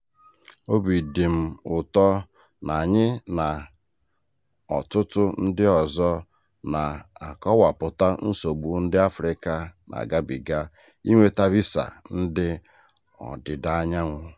Obi dị m ụtọ na anyị na ọtụtụ ndị ọzọ na-akọwapụta nsogbu ndị Afrịka na-agabịga ịnweta visa ndị ọdịdaanyanwụ.